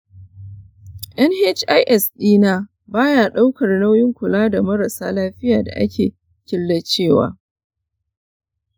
nhis ɗina ba ya ɗaukar nauyin kula da marasa lafiya da ake killacewa.